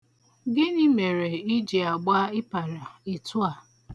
Gịnị mere ị ji agba ịpara etu a?